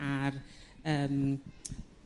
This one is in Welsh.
ar yrm